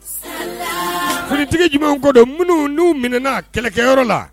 Kuntigi jumɛn kodɔn minnu n'u minɛɛna kɛlɛkɛyɔrɔ la